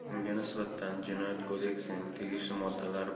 unga nisbatan jinoyat kodeksining tegishli moddalari